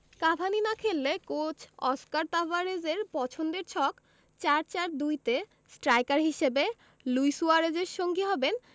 Cavani না খেললে coach Oscar তাবারেজের পছন্দের ছক ৪ ৪ ২ তে স্ট্রাইকার হিসেবে লুই সুয়ারেজের সঙ্গী হবেন